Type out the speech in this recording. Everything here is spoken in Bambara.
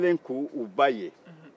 denw kɛlen k'u ba ye